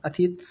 อาทิตย์